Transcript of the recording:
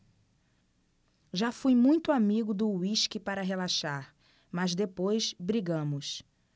já fui muito amigo do uísque para relaxar mas depois brigamos